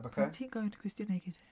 Ocê... Pam ti'n gofyn y cwestiynnau i gyd?